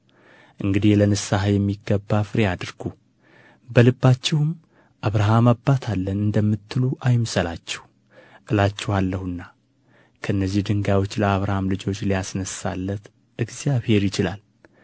እንግዲህ ለንስሐ የሚገባ ፍሬ አድርጉ በልባችሁም አብርሃም አባት አለን እንደምትሉ አይምሰላችሁ እላችኋለሁና ከነዚህ ድንጋዮች ለአብርሃም ልጆች ሊያስነሣለት እግዚአብሔር ይችላል